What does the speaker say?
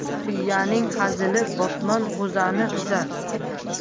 tuyaning hazili botmon g'o'zani buzar